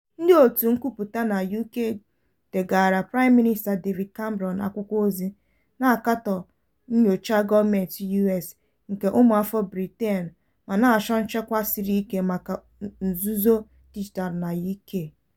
Ndịòtù nkwupụta na UK degaara Prime Minister David Cameron akwụkwọozi, na-akatọ nnyocha gọọmentị US nke ụmụafọ Britain ma na-achọ nchekwa siri ike maka nzuzo dijitaalụ na UK.